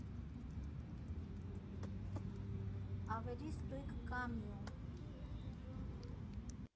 Ավելի ստույգ՝ «Կամիում»։